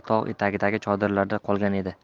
tog' etagidagi chodirlarda qolgan edi